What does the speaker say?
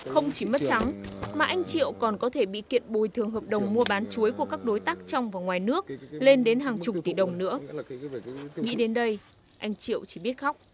không chỉ mất trắng mà anh triệu còn có thể bị kiện bồi thường hợp đồng mua bán chuối của các đối tác trong và ngoài nước lên đến hàng chục tỷ đồng nữa nghĩ đến đây anh triệu chỉ biết khóc